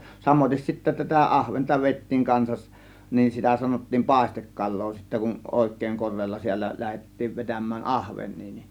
samoin sitten tätä ahventa vedettiin kanssa niin sitä sanottiin paistekalaa sitten kun oikein korealla säällä lähdettiin vetämään ahvenia niin